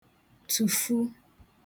tụ̀fu